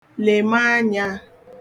lèma anyā